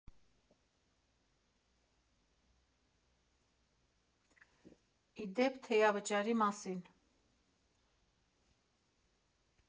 Ի դեպ, թեյավճարի մասին.